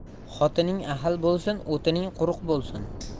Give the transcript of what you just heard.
xotining ahil bo'lsin o'tining quruq bo'lsin